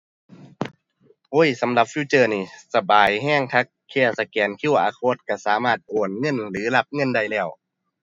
โอ้ย สำหรับฟีเจอร์นี่สบายแรงคัก แค่สแกน QR code แรงสามารถโอนเงินหรือรับเงินได้แล้ว